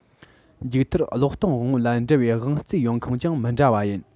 མཇུག མཐར གློག གཏོང དབང པོ ལ འབྲེལ བའི དབང རྩའི ཡོང ཁུངས ཀྱང མི འདྲ བ ཡིན